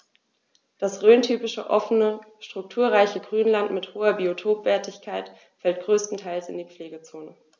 Das rhöntypische offene, strukturreiche Grünland mit hoher Biotopwertigkeit fällt größtenteils in die Pflegezone.